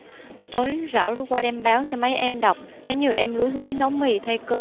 tối rảo qua đem báo cho mấy em đọc thấy nhiều em lúi húi nấu mì thay cơm